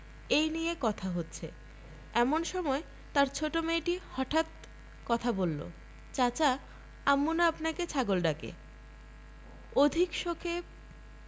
এই নিয়ে কথা হচ্ছে এমন সময় তাঁর ছোট মেয়েটি হঠাৎ কথা বলল চাচা আম্মু না আপনাকে ছাগল ডাকে অধিক শোকে